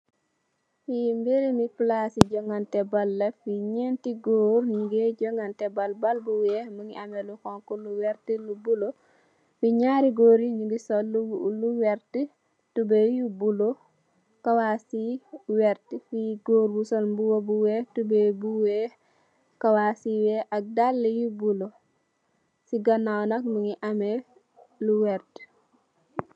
Fii mbirum palaasi jongante bal la, lu werta, lu bulo, fii ñu ngi sol lu werta, tubooy yu bulo, kawaas is .. kawaasi weex, ak dallë yu bulo, si ganaaw, mu ngi am lu werta